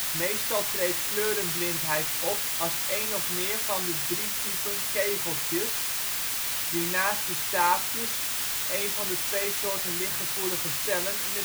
Meestal treedt kleurenblindheid op als één of meer van de drie typen kegeltjes, die naast de staafjes een van de twee soorten lichtgevoelige cellen in